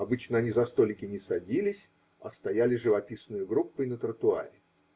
обычно они за столики не садились, а стояли живописною группой на тротуаре.